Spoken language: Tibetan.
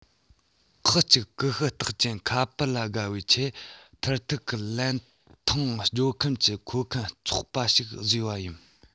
ཁག གཅིག ཀུ ཤུ རྟགས ཅན ཁ པར ལ དགའ བའི ཆེད མཐར ཐུག གི ལན ཐུང སྤྱོད མཁན གྱི མཁོ མཁན ཚོགས པ ཞིག བཟོས པ ཡིན